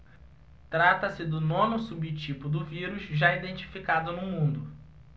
trata-se do nono subtipo do vírus já identificado no mundo